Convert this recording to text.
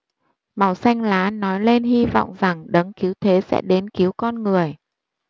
màu xanh lá nói lên hy vọng rằng đấng cứu thế sẽ đến cứu con người